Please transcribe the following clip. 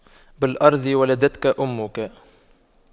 بالأرض ولدتك أمك